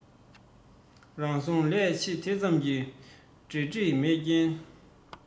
རང རྫོང ལས ཕྱི དེ ཙམ གྱི འབྲེལ འདྲིས མེད རྐྱེན